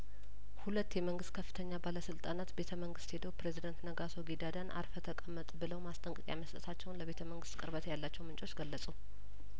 ሁለት የመንግስት ከፍተኛ ባለስልጣናት ቤተ መንግስት ሄደው ፕሬዝዳንት ነጋሶ ጊዳዳን አር ፈህ ተቀመጥ ብለው ማስጠንቀቂያ መስጠታቸውን ለቤተ መንግስት ቅርበት ያላቸው ምንጮች ገለጹ